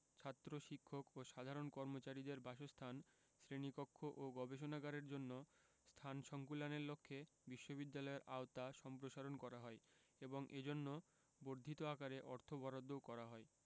ছাত্র শিক্ষক ও সাধারণ কর্মচারীদের বাসস্থান শ্রেণীকক্ষ ও গবেষণাগারের জন্য স্থান সংকুলানের লক্ষ্যে বিশ্ববিদ্যালয়ের আওতা সম্প্রসারণ করা হয় এবং এজন্য বর্ধিত আকারে অর্থ বরাদ্দও করা হয়